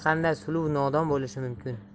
qanday suluv nodon bo'lishi mumkin